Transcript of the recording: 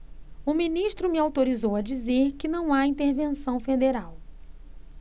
o ministro me autorizou a dizer que não há intervenção federal